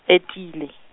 etile.